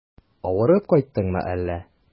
Авырып кайттыңмы әллә?